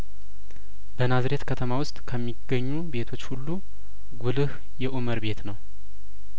በናዝሬት ከተማ ውስጥ ከሚገኙ ቤቶች ሁሉ ጉልህ የኡመር ቤት ነው